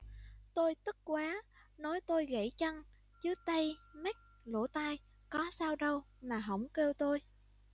tôi tức quá nói tôi gãy chân chứ tay mắt lỗ tai có sao đâu mà hổng kêu tôi